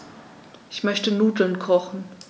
Ich möchte Nudeln kochen.